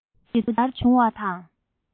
དང པོ ཇི ལྟར བྱུང བ དང